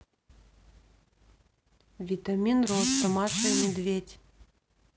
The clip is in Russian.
витамин роста маша и медведь